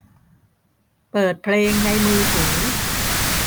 เปิดเพลงในมือถือ